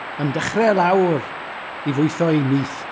Yn dechrau lawr i fwytho'i nyth.